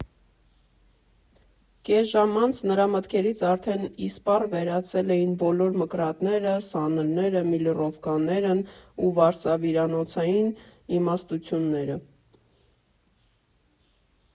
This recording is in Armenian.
Կես ժամ անց նրա մտքերից արդեն իսպառ վերացել էին բոլոր մկրատները, սանրերը, միլիռովկաներն ու վարսավիրանոցային իմաստությունները։